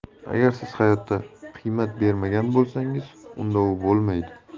agar siz hayotga qiymat bermagan bo'lsangiz unda u bo'lmaydi